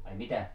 ai mitä